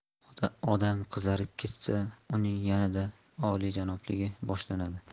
odam qizarib ketsa uning yanada olijanobligi boshlanadi